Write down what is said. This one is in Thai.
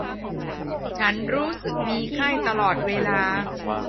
ฉันรู้สึกมีไข้ตลอดเวลา